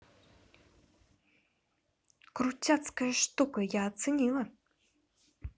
крутяцкая шутка я оценила